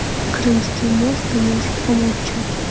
крымский мост ты можешь помолчать